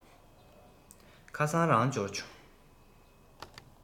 ཁ སང རང འབྱོར བྱུང